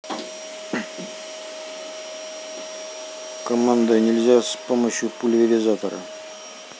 команда нельзя с помощью пульверизатора